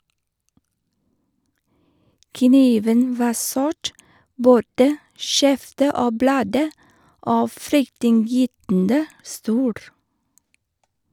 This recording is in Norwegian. Kniven var sort, både skjeftet og bladet, og fryktinngytende stor.